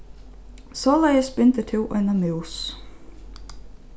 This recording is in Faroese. soleiðis bindur tú eina mús